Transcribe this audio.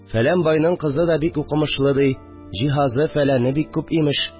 Фәлән кызы да бик укымылы, ди, җиһазы-фәләне бик күп, имеш